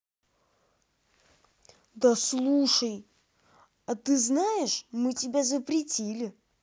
да слушай а ты знаешь мы тебя запретили